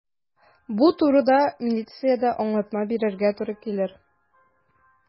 Бу турыда милициядә аңлатма бирергә туры килер.